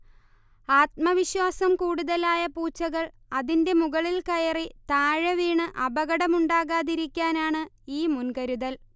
ആത്മവിശ്വാസം കൂടുതലായ പൂച്ചകൾ അതിന്റെ മുകളിൽ കയറി താഴെവീണ് അപകടമുണ്ടാകാതിരിക്കാനാണ് ഈ മുൻകരുതൽ